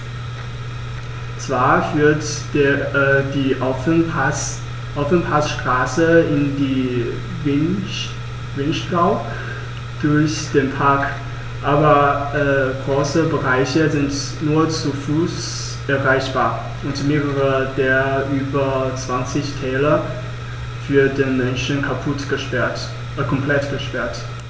Zwar führt die Ofenpassstraße in den Vinschgau durch den Park, aber große Bereiche sind nur zu Fuß erreichbar und mehrere der über 20 Täler für den Menschen komplett gesperrt.